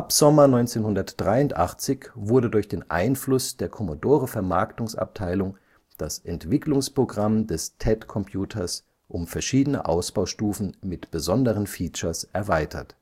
Sommer 1983 wurde durch den Einfluss der Commodore-Vermarktungsabteilung das Entwicklungsprogramm des TED-Computers um verschiedene Ausbaustufen mit besonderen „ Features “erweitert